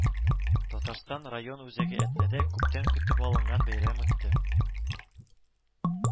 Татарстан район үзәге Әтнәдә күптән көтеп алынган бәйрәм үтте